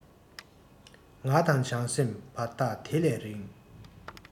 ང དང བྱང སེམས བར ཐག དེ ལས རིང